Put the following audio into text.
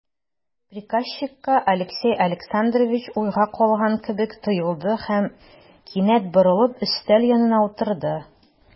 Приказчикка Алексей Александрович уйга калган кебек тоелды һәм, кинәт борылып, өстәл янына утырды.